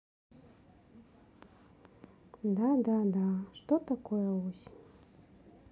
да да да что такое осень